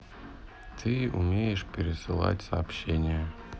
ты умеешь пересылать сообщения